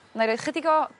'Nai roi chydig o